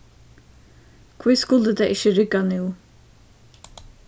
hví skuldi tað ikki riggað nú